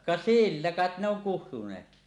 ka sillä kai ne on kutsuneetkin